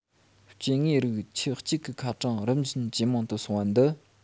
སྐྱེ དངོས རིགས ཁྱུ གཅིག གི ཁ གྲངས རིམ བཞིན ཇེ མང དུ སོང བ འདི